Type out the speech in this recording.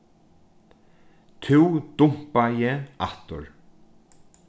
tú dumpaði aftur